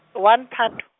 one Phato.